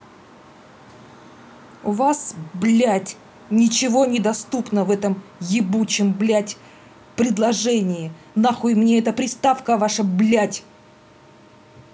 у вас блять ничего не доступно в этом ебучем блядь предложении нахуй мне эта приставка ваша блядь